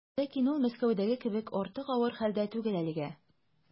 Ләкин ул Мәскәүдәге кебек артык авыр хәлдә түгел әлегә.